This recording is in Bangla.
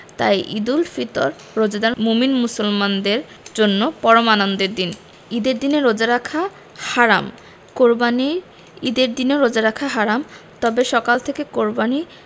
তাই ঈদুল ফিতর রোজাদার মোমিন মুসলিমের জন্য পরম আনন্দের দিন ঈদের দিনে রোজা রাখা হারাম কোরবানির ঈদের দিনেও রোজা রাখা হারাম তবে সকাল থেকে কোরবানি